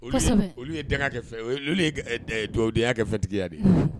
Kosɛbɛ, Olu ye olu ye danga ka fɛn ,olu ye dugawudenya kɛ fɛntigiya de ye.